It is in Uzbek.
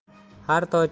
har toycha o'zi